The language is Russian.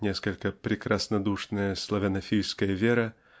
несколько прекраснодушная славянофильская вера